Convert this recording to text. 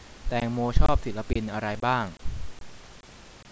แตงโมชอบศิลปินอะไรบ้าง